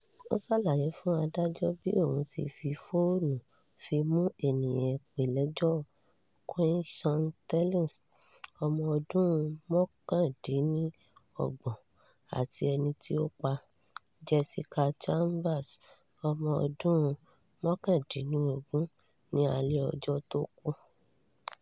Ó ṣàlàyé fún adájọ́ bí òun ṣe fi fóònù fíìmù ẹniàpélẹ́jọ́, Quinton Tellis, ọmọ ọdún 29, àti ẹni tí ó pa, Jessica Chambers, ọmọ ọdún 19, ní alẹ́ ọjọ́ tó kú.